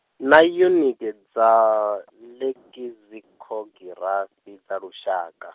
na yuniti dza, lekizikhogirafi dza lushaka.